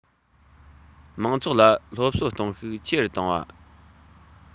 མང ཚོགས ལ སློབ གསོ གཏོང ཤུགས ཆེ རུ བཏང བ